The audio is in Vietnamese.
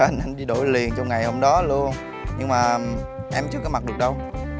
anh anh đi đổi liền trong ngày hôm đó luôn nhưng mà em chưa có mặc được đâu